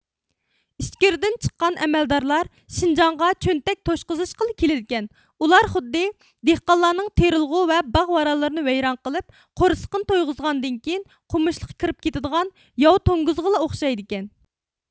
ئىچكىرىدىن چىققان ئەمەلدارلار شىنجاڭغا چۆنتەك توشقۇزۇشقىلا كېلىدىكەن ئۇلار خۇددى دېھقانلارنىڭ تېرىلغۇ ۋە باغ ۋارانلىرىنى ۋەيران قىلىپ قورسىقىنى تويغۇزغاندىن كېيىن قومۇشلۇققا كىرىپ كېتىدىغان ياۋا توڭگۇزلارغا ئوخشايدىكەن